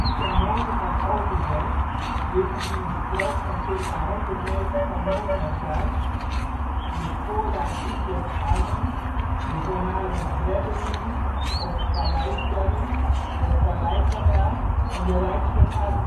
ten noorden van Overberg liggen in een strook van ca. 100 meter van noord naar zuid: De spoorlijn Utrecht - Arnhem, de (voormalige) Grebbelinie of Valleistelling, het Valleikanaal en de Rijksweg A-12